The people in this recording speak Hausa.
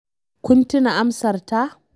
“Kun tuna amsarta?